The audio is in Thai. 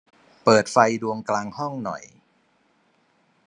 เปิดไฟดวงกลางห้องหน่อย